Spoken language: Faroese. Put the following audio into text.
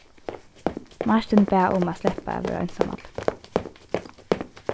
martin bað um at sleppa at vera einsamallur